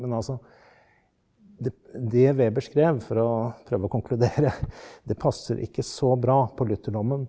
men altså det Weber skrev for å prøve å konkludere det passer ikke så bra på lutherdommen.